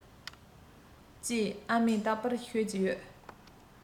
ཅེས ཨ མས རྟག པར ཤོད ཀྱི ཡོད